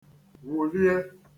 wụ̀lie